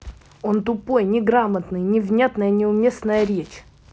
он тупой неграмотный невнятное неуместная речь